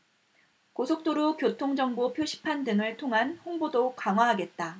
고속도로 교통정보 표시판 등을 통한 홍보도 강화하겠다